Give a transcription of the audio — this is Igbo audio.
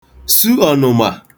su ọ̀nụ̀mà